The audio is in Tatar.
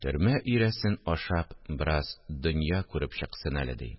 Төрмә өйрәсен ашап, бераз дөнья күреп чыксын әле, ди